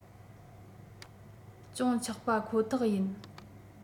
ཅུང ཆག པ ཁོ ཐག ཡིན